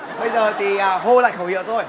bây giờ thì hô lại khẩu hiệu cho tôi